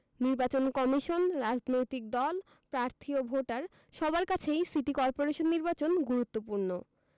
নির্বাচন কমিশন রাজনৈতিক দল প্রার্থী ও ভোটার সবার কাছেই সিটি করপোরেশন নির্বাচন গুরুত্বপূর্ণ